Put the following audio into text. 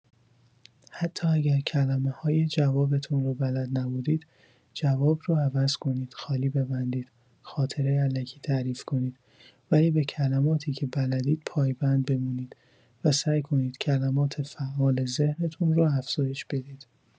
حتی اگر کلمه‌های جوابتون رو بلد نبودید جواب رو عوض کنید، خالی ببندید، خاطره الکی تعریف کنید ولی به کلماتی که بلدید پایبند بمونید و سعی کنید کلمات فعال ذهنتون رو افزایش بدید.